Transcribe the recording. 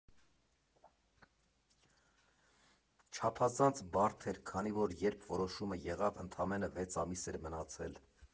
Չափազանց բարդ էր, քանի որ երբ որոշումը եղավ, ընդամենը վեց ամիս էր մնացել։